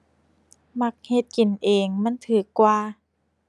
มักเฮ็ดกินเอง มันถูกกว่า